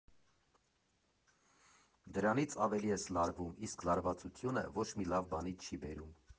Դրանից ավելի ես լարվում, իսկ լարվածությունը ոչ մի լավ բանի չի բերում։